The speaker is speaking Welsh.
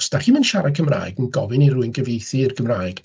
Os dach chi'm yn siarad Cymraeg, yn gofyn i rywun gyfieithu i'r Gymraeg...